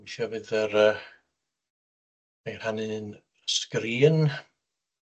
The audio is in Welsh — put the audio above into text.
Mae'n siŵr fydd yr yy, wnai rhannu'n sgrin.